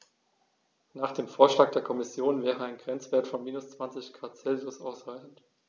Nach dem Vorschlag der Kommission wäre ein Grenzwert von -20 ºC ausreichend.